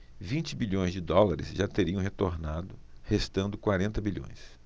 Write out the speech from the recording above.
vinte bilhões de dólares já teriam retornado restando quarenta bilhões